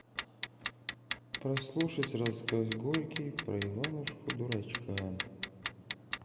послушать рассказ горький про иванушку дурачка